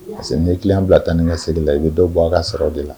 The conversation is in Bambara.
Parce que n'i ye client bila tan ni ka segin la, i bɛ dɔ bɔ a ka sɔrɔ de la.